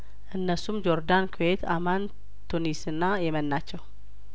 እነሱም ጆርዳን ኩዌት አማን ቱኒስና የመን ናቸው